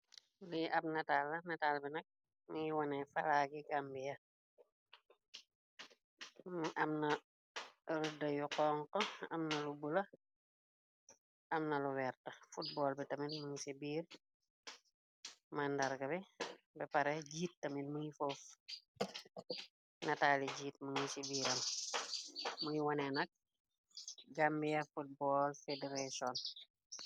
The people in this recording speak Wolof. Lii ab nata natal bi nak muy wone falaagi. Amna rëdda yu xonk amnalu bula amna lu wert footbol bi tamit. Muñ ci biir mëndarg bi bi pare jiit tamil muy foof nataali jiit mui biiram. Muy wonee nak gambia footbal federation.